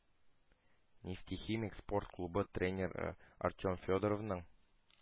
«нефтехимик» спорт клубы тренеры артем федоровның